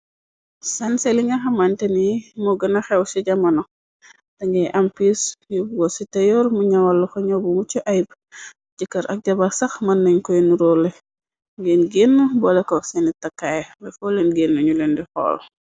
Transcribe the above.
sanse linga xamante ni moo gëna xew ci jamano te ngay am pis yobgo ci terr mu ñawallu xo ñoobu muccu ayb jëkkër ak jabar sax mën nañ koy nurole ngenn génn bole ko seeni takaay bafoo leen génn ñu leen di xool.